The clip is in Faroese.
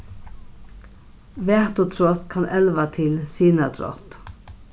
vætutrot kann elva til sinadrátt